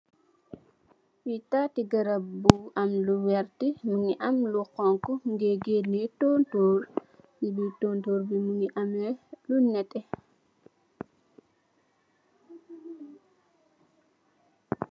Fee tate garab bu amlu werte muge am lu xonxo muge gene tonturr se birr tonturr be muge ameh lu neteh.